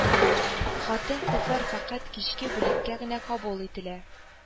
Хатын-кызлар фәкать кичке бүлеккә генә кабул ителә